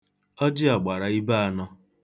Ọjị a gbara ibe anọ.